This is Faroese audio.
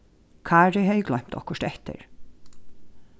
kári hevði gloymt okkurt eftir